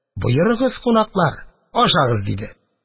Боерыгыз, кунаклар, ашагыз! – диде.